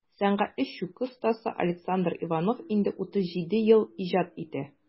Сәнгатьле чүкү остасы Александр Иванов инде 37 ел иҗат итә.